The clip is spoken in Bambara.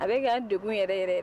A bɛ ka de yɛrɛ yɛrɛ